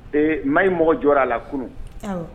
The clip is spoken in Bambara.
Ee maa ye mɔgɔ jɔ a la kunun